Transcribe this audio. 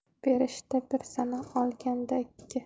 berishda bir sana olganda ikki